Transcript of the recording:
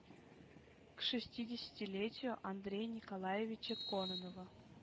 К шестидесятилетию андрея николаевича кононова